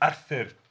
Arthur.